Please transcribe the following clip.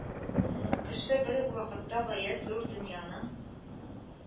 Кеше бер үк вакытта гаять зур дөньяның